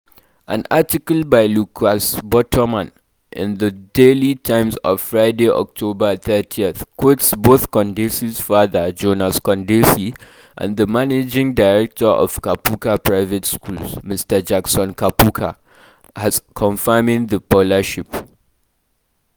An article by Lucas Bottoman in The Daily Times of Friday October 30th quotes both Kondesi's father, Jonas Kondesi, and the Managing Director of Kaphuka Private Schools, Mr. Jackson Kaphuka, as confirming the scholarship.